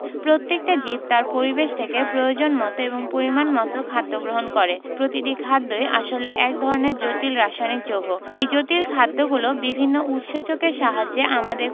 প্রত্যেকটা জীব তার পরিবেশ থেকে প্রয়োজনমতো এবং পরিমাণমতো খাদ্য গ্রহণ করে প্রতিটি খাদ্যই আসলে এক ধরনের জটিল রাসায়নিক যৌগ এই জটিল খাদ্যগুলো বিভিন্ন উৎসেচকের সাহায্যে আমাদের